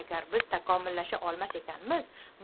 agar biz takomillasha olmas ekanmiz